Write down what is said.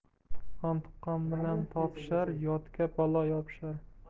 tuqqan tuqqan bilan topishar yotga balo yopishar